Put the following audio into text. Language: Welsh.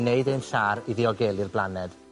i wneudein siâr i ddiogelu'r blaned.